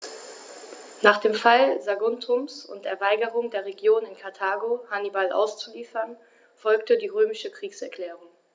Nach dem Fall Saguntums und der Weigerung der Regierung in Karthago, Hannibal auszuliefern, folgte die römische Kriegserklärung.